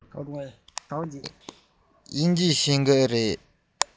དབྱིན སྐད ཤེས ཀྱི འདུག གས